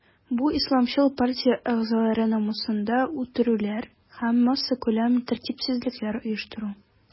Бу исламчыл партия әгъзалары намусында үтерүләр һәм массакүләм тәртипсезлекләр оештыру.